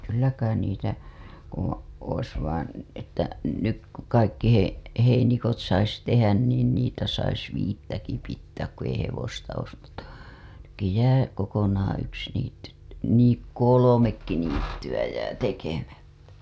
kyllä kai niitä - olisi vain että nyt kun kaikki - heinikot saisi tehdä niin niitä saisi viittäkin pitää kun ei hevosta olisi mutta nytkin jää kokonaan yksi niitty - niin kolmekin niittyä jää tekemättä